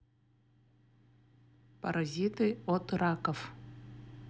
паразиты от раков